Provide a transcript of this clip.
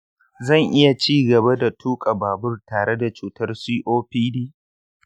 zan iya ci gaba da tuka babur tare da cutar copd?